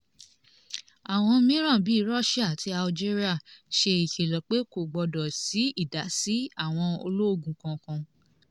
Àwọn mìíràn, bíi Russia àti Algeria, ṣe ìkìlọ̀ pé kò gbọdọ̀ sí ìdásí àwọn ológun kankan.